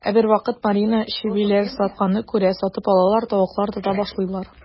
Ә бервакыт Марина чебиләр сатканны күрә, сатып алалар, тавыклар тота башлыйлар.